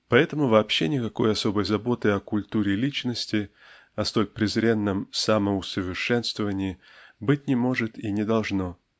Поэтому вообще никакой особой заботы о культуре личности (о столь презренном "самоусовершенствовании") быть не может и не должно